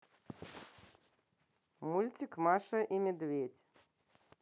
мультик маша и медведь